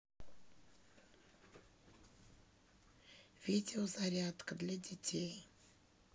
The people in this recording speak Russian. видео зарядка для детей